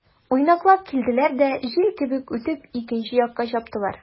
Уйнаклап килделәр дә, җил кебек үтеп, икенче якка чаптылар.